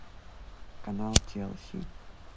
канал тиалси